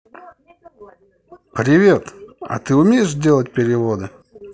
привет а ты умеешь делать переводы